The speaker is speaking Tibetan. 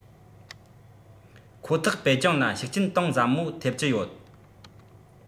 ཁོ ཐག པེ ཅིང ལ ཤུགས རྐྱེན གཏིང ཟབ མོ ཐེབས ཀྱིན ཡོད